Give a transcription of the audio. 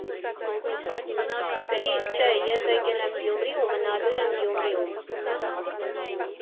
Գրիշ, չէ, ես եկել եմ Գյումրի ու մնալու եմ Գյուրիում։